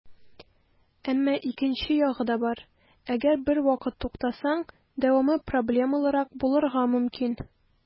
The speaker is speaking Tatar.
Әмма икенче ягы да бар - әгәр бервакыт туктасаң, дәвамы проблемалырак булырга мөмкин.